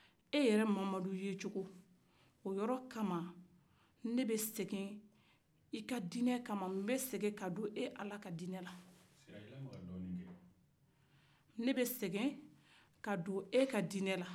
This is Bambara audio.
e yɛrɛ mahamadu ye cogo o yɔrɔ kama ne bɛ segin i ka dinɛ kama nbɛ segin ka don e ala ka dinɛ la ne bɛ segin ka don e ka dinɛ la